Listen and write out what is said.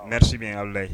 Resi bɛ'la ye